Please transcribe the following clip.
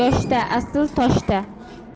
yoshda asl toshda